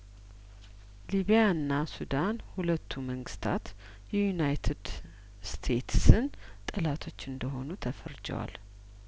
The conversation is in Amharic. ሊቢያ እና ሱዳን ሁለቱ መንግስታት የዩናይትድ ስቴትስን ጠላቶች እንደሆኑ ተፈርጀዋል